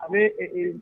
A bɛ eee